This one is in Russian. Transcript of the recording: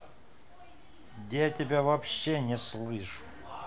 где я тебя вообще не слышу